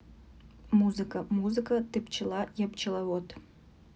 музыка музыка ты пчела я пчеловод